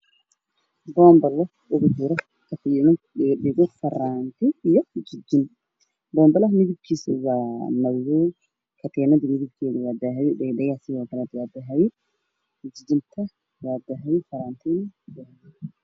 Bonbalo ugu jiro katiinad iyo dhego. dhego katiinad mideb keedu waa madow dhego dhegahana waa guduud